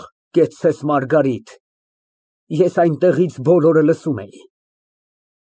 Կեցցես, Մարգարիտ։ Ես այնտեղից բոլորը լսում էի։